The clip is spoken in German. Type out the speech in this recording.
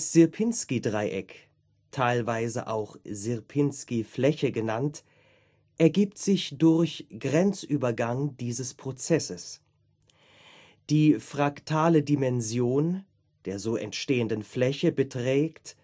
Sierpinski-Dreieck – teilweise auch Sierpinski-Fläche genannt – ergibt sich durch Grenzübergang dieses Prozesses. Die fraktale Dimension der so entstehenden Fläche beträgt